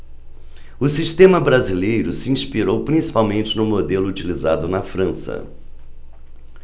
o sistema brasileiro se inspirou principalmente no modelo utilizado na frança